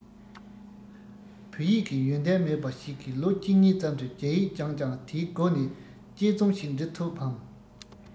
བོད ཡིག གི ཡོན ཏན མེད པ ཞིག གིས ལོ གཅིག གཉིས ཙམ དུ རྒྱ ཡིག སྦྱངས ཀྱང དེའི སྒོ ནས དཔྱད རྩོམ ཞིག འབྲི ཐུབ བམ